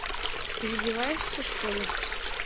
издевайся что ли